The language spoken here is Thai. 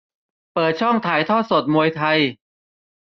เปิดช่องถ่ายทอดสดมวยไทย